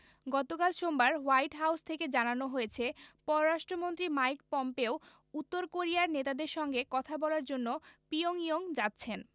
গতকাল সোমবার white house থেকে জানানো হয়েছে পররাষ্ট্রমন্ত্রী মাইক পম্পেও উত্তর কোরিয়ার নেতাদের সঙ্গে কথা বলার জন্য পিয়ংইয়ং যাচ্ছেন